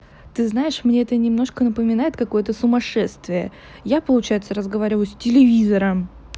ты знаешь мне это немножко напоминает какое то сумасшествие я получается разговариваю с телевизором